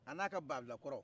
a n'a ka banfula kɔrɔ